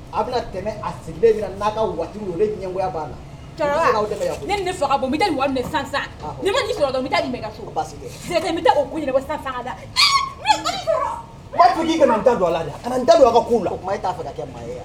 A bɛna tɛmɛ a sigilen ɲɛ, n'a ka voiture ye, ole ɲɛgoya b'a la, cɛkɔrɔba, ne ni ne fa ka bon, n bɛ taa ni wari minɛ sisan, awɔ, ni m'a ni sɔrɔ dɔrɔn,n bɛ taa di ma i ka so, basi tɛ, n bɛ taa o ko ɲɛnabɔ sisan ka na, ee kana ta don a la, kana n ta don a ka kow la, o tuma e t'a fɛ ka kɛ maa ye.